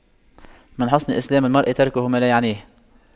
من حسن إسلام المرء تَرْكُهُ ما لا يعنيه